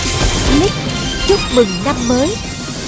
lích chúc mừng năm mới